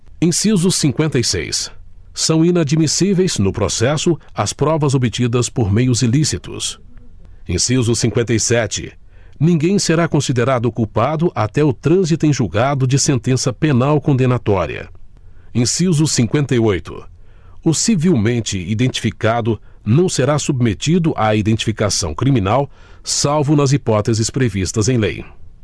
inciso cinqüenta e seis são inadmissíveis no processo as provas obtidas por meios ilícitos inciso cinqüenta e sete ninguém será considerado culpado até o trânsito em julgado de sentença penal condenatória inciso cinqüenta e oito o civilmente identificado não será submetido a identificação criminal salvo nas hipóteses previstas em lei